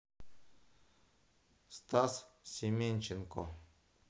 стас семченко